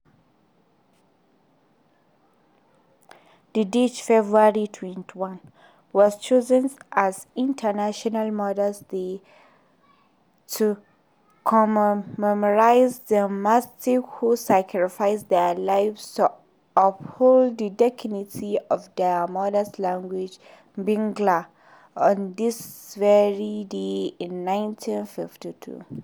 The date, February 21, was chosen as International Mother Language Day to commemorate the martyrs who sacrificed their lives to uphold the dignity of their Mother Language Bangla, on this very day in 1952.